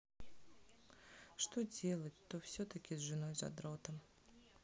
что делать то все таки с женой задротом